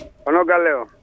hono galle o